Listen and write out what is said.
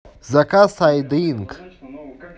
заказ айдринк